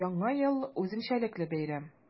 Яңа ел – үзенчәлекле бәйрәм.